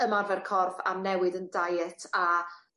ymarfer corff amnewid 'yn diet a